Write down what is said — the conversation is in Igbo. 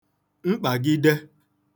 mkpagide